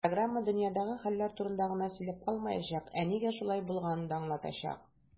Программа "дөньядагы хәлләр турында гына сөйләп калмаячак, ә нигә шулай булганын да аңлатачак".